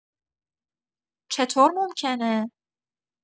چطور ممکنه؟